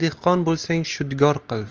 dehqon bo'lsang shudgor qil